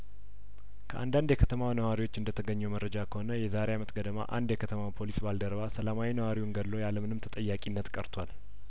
ከአንዳንድ የከተማው ነዋሪዎች እንደተገኘው መረጃ ከሆነ የዛሬ አመት ገደማ አንድ የከተማው ፖሊስ ባልደረባ ሰላማዊ ነዋሪውን ገሎ ያለምንም ተጠያቂነት ቀርቷል